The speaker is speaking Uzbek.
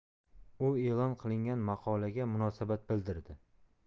u e'lon qilingan maqolaga munosabat bildirdi